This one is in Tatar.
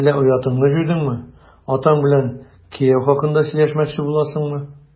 Әллә оятыңны җуйдыңмы, атаң белән кияү хакында сөйләшмәкче буласыңмы? ..